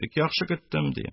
Бик яхшы көттем, - дим.